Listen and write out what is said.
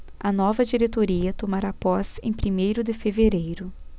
a nova diretoria tomará posse em primeiro de fevereiro